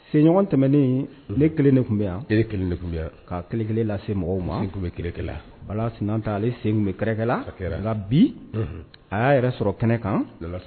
Senɲɔgɔn tɛmɛnen ne kelen de tun bɛ yan kelen de tun ka kelen kelen lase mɔgɔw ma tun bɛ kikɛla bala sin ta ale sen tun bɛ kɛrɛkɛla nka bi a y'a yɛrɛ sɔrɔ kɛnɛ kan